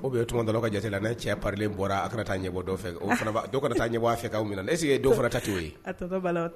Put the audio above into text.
O bɛ ka jate la ne cɛlen bɔra a taa ɲɛ fɛ taa ɲɛ fɛ na eta cogo ye